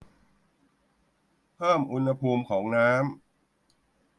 เพิ่มอุณหภูมิของน้ำ